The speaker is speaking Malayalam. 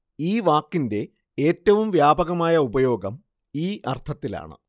ഈ വാക്കിന്റെ ഏറ്റവും വ്യാപകമായ ഉപയോഗം ഈ അർത്ഥത്തിലാണ്